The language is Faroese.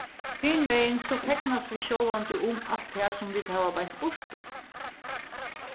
hin vegin so fegnast vit sjálvandi um alt tað sum vit hava beint burtur